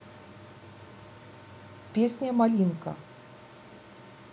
песня малинка